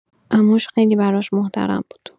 عموش خیلی براش محترم بود.